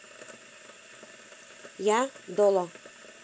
я дола